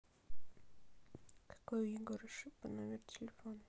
какой у егора шипа номер телефона